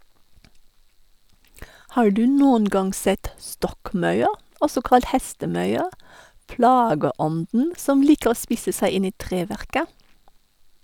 Har du noen gang sett stokkmaur, også kalt hestemaur, plageånden som liker å spise seg inn i treverket?